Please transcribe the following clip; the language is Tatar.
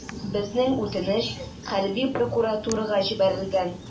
Безнең үтенеч хәрби прокуратурага җибәрелгән.